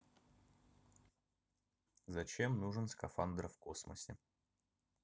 зачем нужен скафандр в космосе